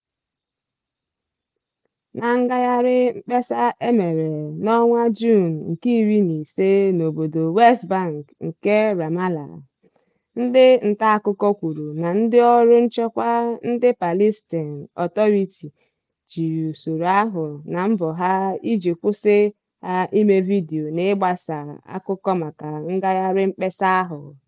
Na ngagharị mkpesa e mere na Juun 15 n'obodo West Bank nke Ramallah, ndị ntaakụkọ kwuru na ndịọrụ nchekwa ndị Palestine Authority jiri usoro ahụ na mbọ ha iji kwụsị ha ime vidiyo na ịgbasa akụkọ maka ngagharị mkpesa ahụ.